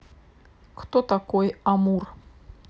кто такой амур